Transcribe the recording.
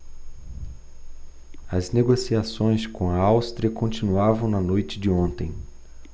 as negociações com a áustria continuavam na noite de ontem